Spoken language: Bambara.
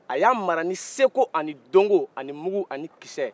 a y' a mara ni seko ani dɔnko ani mugu ani kisɛ